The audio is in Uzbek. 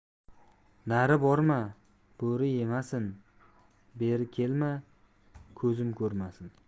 nari borma bo'ri yemasin beri kelma ko'zim ko'rmasin